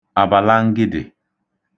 àbàlangịdị̀